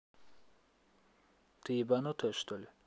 ты ебнутая что ли